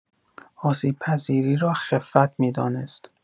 آسیب‌پذیری را خفت می‌دانست.